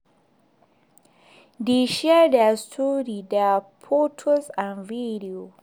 They share their stories, their photos and video.